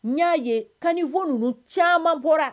N y'a ye ka fɔ ninnu caman bɔra